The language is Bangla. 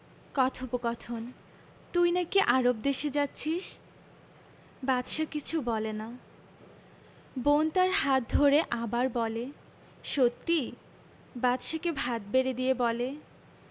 কথোপকথন তুই নাকি আরব দেশে যাচ্ছিস বাদশা কিছু বলে না বোন তার হাত ধরে আবার বলে সত্যি বাদশাকে ভাত বেড়ে দিয়ে বলে